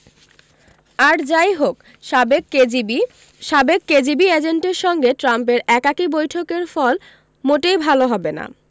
আর যা ই হোক সাবেক কেজিবি সাবেক কেজিবি এজেন্টের সঙ্গে ট্রাম্পের একাকী বৈঠকের ফল মোটেই ভালো হবে না